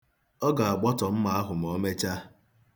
Ọ ga-agbọtọ mma ahụ ma o mechaa.